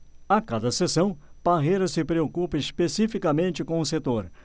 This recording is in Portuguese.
a cada sessão parreira se preocupa especificamente com um setor